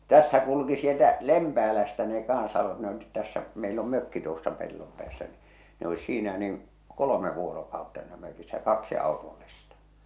tässä kulki sieltä Lempäälästä ne kanssa ne olivat tässä meillä on mökki tuossa pellon päässä niin ne oli siinä niin kolme vuorokautta siinä mökissä kaksi autollista